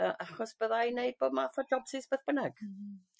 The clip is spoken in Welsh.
Yy achos bydda i'n wneud bo math o jobsus beth bynnag